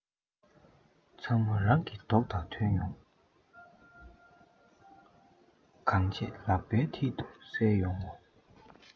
ཚང མ རང གི མདོག དང མཐུན ཡོང ངོ གང བྱས ལག པའི མཐིལ དུ གསལ ཡོང ངོ